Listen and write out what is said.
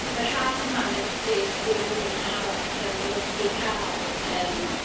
Yr haf yma'n enwedig fwy na'm un haf arall, dan ni wedi cael, yym...